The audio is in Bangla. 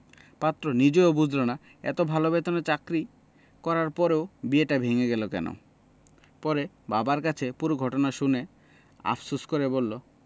পাত্র নিজেও বুঝল না এত ভালো বেতনে চাকরি করার পরও বিয়েটা ভেঙে গেল কেন পরে বাবার কাছে পুরো ঘটনা শুনে আফসোস করে বললও